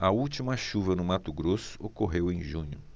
a última chuva no mato grosso ocorreu em junho